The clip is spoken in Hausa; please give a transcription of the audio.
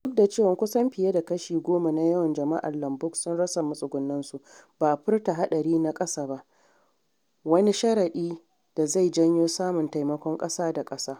Duk da cewa kusan fiye da kashi 10 na yawan jama’ar Lombok sun rasa matsugunansu, ba a furta hadari na kasa ba, wani sharadi da zai janyo samun taimakon kasa-da-kasa.